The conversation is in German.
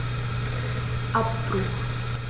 Abbruch.